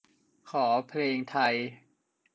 ขอเพลงไทย